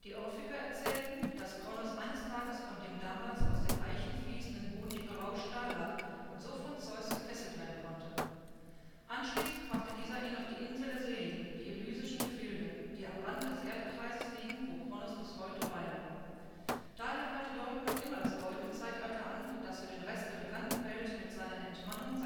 Orphiker erzählten, dass Kronos eines Tages von dem damals aus den Eichen fließenden Honig berauscht dalag und so von Zeus gefesselt werden konnte. Anschließend brachte dieser ihn auf die „ Insel der Seligen “, die Elysischen Gefilde, die am Rande des Erdkreises liegen, wo Kronos bis heute weile. Daher halte dort noch immer das Goldene Zeitalter an, das für den Rest der bekannten Welt mit seiner Entmannung